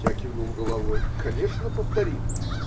Я кивнул головой: -- Конечно, повторит.